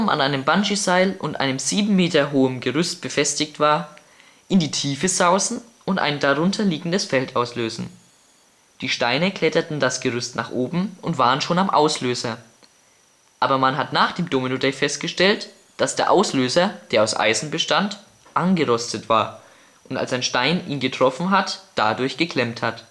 einem Bungeeseil und einem sieben Meter hohem Gerüst befestigt war, in die Tiefe sausen und ein darunter liegendes Feld auslösen. die Steine kletterten das Gerüst nach oben und waren schon am Auslöser. Aber man hat nach dem Domino Day festgestellt, dass der Auslöser, der aus Eisen bestand, angerostet war und als ein Stein ihn getroffen hat dadurch geklemmt hat